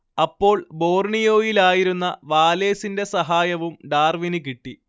അപ്പോൾ ബോർണിയോയിലായിരുന്ന വാലേസിന്റെ സഹായവും ഡാർവിന് കിട്ടി